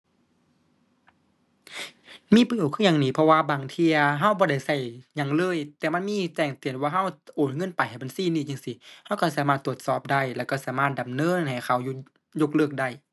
มีประโยชน์คือหยังนี้ เพราะว่าบางเที่ยเราบ่ได้เราหยังเลย แต่มันมีแจ้งเตือนว่าเรา โอนเงินไปให้บัญชีนี้จั่งซี้ เราเราสามารถตรวจสอบได้ แล้วเราสามารถดำเนินให้เขา โยะ ยกเลิกได้